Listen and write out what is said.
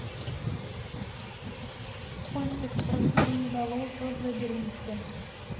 мультик про сиреноголового в лабиринте